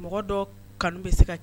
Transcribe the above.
Mɔgɔ dɔ kanu bɛ se ka kɛ